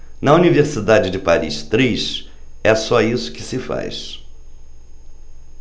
na universidade de paris três é só isso que se faz